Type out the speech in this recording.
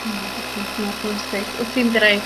Hmm definate yn mor bwysig wt ti'n mynd i roi...